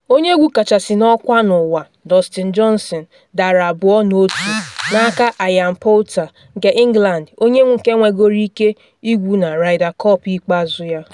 Onye egwu kachasị n’ọkwa n’ụwa, Dustin Johnson, dara 2 na 1 n’aka Ian Poulter nke England onye nke nwegoro ike igwu na Ryder Cup ikpeazụ ya.